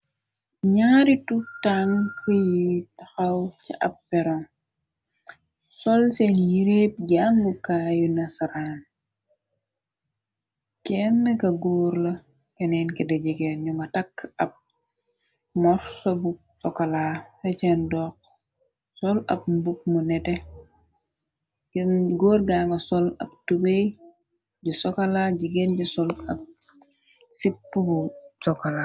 N'aari tutang ki yuy taxaw ci ab peran sol seen yiréeb janmukaayu na saran kenn ka góor la keneen ke de jekeen nu nga takk ab morsa bu sokala recen dokx sol ab mbuk mu nete gór ganga sol ab tubey ju sokalaa jigeen ju sol ab sipp bu sokala.